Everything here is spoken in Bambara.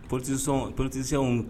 Politisɔn politicien munnu